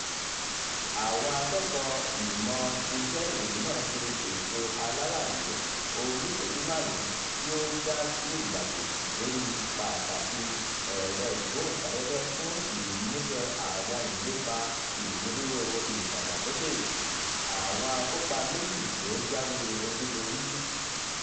Àwọn akẹ́kọ̀ọ́ ìmọ̀ iṣẹ́ ìròyìn náà ṣe ètò alálàyé oníṣẹ̀ẹ́jú 5 tí ó dá fìrìgbagbòó lóríi pàtàkìi ẹ̀rọ-ìgbóhùnsáfẹ́fẹ́ fún ìmúṣẹ àwọn ìlépa ìmúdúró ìdàgbàsókè. Àwọn àkópa méjì ló jáwé olúborí.